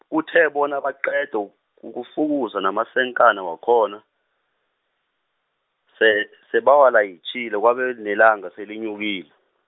kuthe bona baqede, ukuwufuza namasenkana wakhona, se- sebawalayitjhile kwabe nelanga selenyukile.